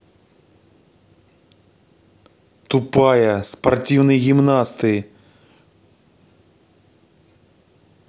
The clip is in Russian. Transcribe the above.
тупая спортивные гимнасты